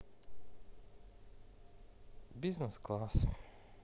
бизнес класс